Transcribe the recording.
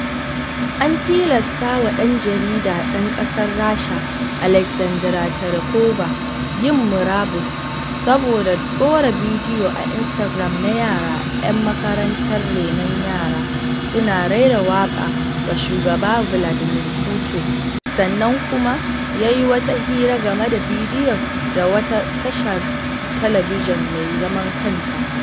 An tilastawa ɗan jarida ɗan ƙasar Rasha Alexandra Terikova yin murabus, saboda ɗora bidiyo a Instagram na yara 'yan makarantar renon yara suna raira waƙa ga Shugaba Vladimir Putin, sannan kuma yayi wata hira game da bidiyon da wata tashar talabijin mai zaman kanta.